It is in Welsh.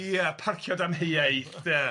Ie parcio damheuaeth de.